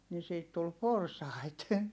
niin siitä tuli porsaita